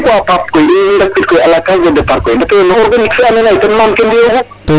Pourquoi pas koy i ndakwiid ke à la phase de départ koy ndetoyo no Organique fe andoona yee ten maam ke mbi'oogu